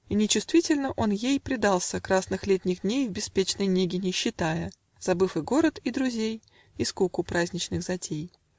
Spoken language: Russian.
И нечувствительно он ей Предался, красных летних дней В беспечной неге не считая, Забыв и город, и друзей, И скуку праздничных затей.